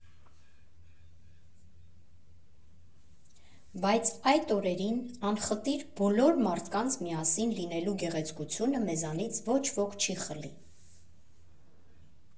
Բայց այդ օրերին անխտիր բոլոր մարդկանց միասին լինելու գեղեցկությունը մեզանից ոչ ոք չի խլի։